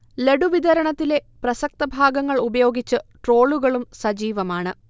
ലഡു വിതരണത്തിലെ പ്രസക്തഭാഗങ്ങൾ ഉപയോഗിച്ച് ട്രോളുകളും സജീവമാണ്